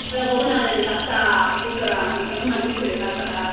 Dwi'n meddwl bod hwnna'n un un bach da jyst o ran... wnaeth hwnna hitio fi fatha...